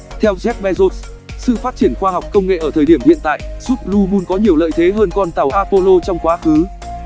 theo jeff bezos sự phát triển khoa học công nghệ ở thời điểm hiện tại giúp blue moon có nhiều lợi thế hơn con tàu apollo trong quá khứ